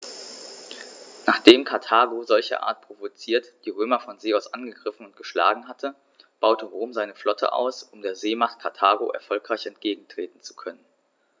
Nachdem Karthago, solcherart provoziert, die Römer von See aus angegriffen und geschlagen hatte, baute Rom seine Flotte aus, um der Seemacht Karthago erfolgreich entgegentreten zu können.